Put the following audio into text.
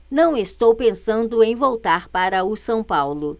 não estou pensando em voltar para o são paulo